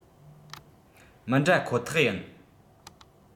མི འདྲ ཁོག ཐག ཡིན